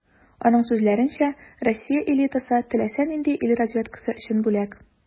Аның сүзләренчә, Россия элитасы - теләсә нинди ил разведкасы өчен бүләк.